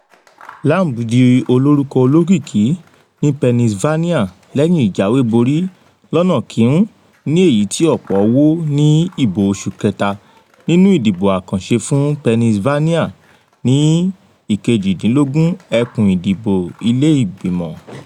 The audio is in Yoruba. Lamb di orukọ olokiki ni Pennsylvania lẹhin ijawebori lọna kiun ni eyi ti ọpọ wo ni ibo oṣu kẹta nínú idibo akanṣe fun Pennsylvania ni 18th Ẹkun Idibo Ile Igbimọ